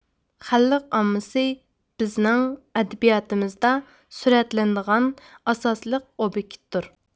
خەلق ئاممىسى بىزنىڭ ئەدەبىياتىمىزدا سۈرەتلىنىدىغان ئاساسلىق ئوبيېكتتۇر